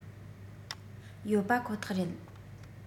ཡོད པ ཁོ ཐག རེད